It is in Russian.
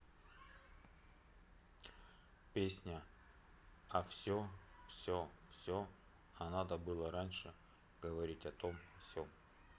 песня а все все все а надо было раньше говорить о том о сем